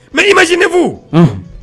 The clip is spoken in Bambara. Mɛ i ma ji nebugu